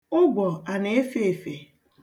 Ụgwọ a na-efe efe?